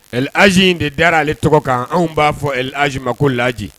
Ɛ az in de dara ale tɔgɔ kan anw b'a fɔ a ma ko laaji